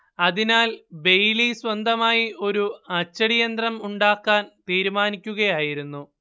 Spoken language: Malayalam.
അതിനാൽ ബെയ്ലി സ്വന്തമായി ഒരു അച്ചടിയന്ത്രം ഉണ്ടാക്കാൻ തീരുമാനിക്കുകയായിരുന്നു